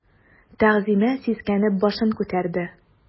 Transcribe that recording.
Тәгъзимә сискәнеп башын күтәрде.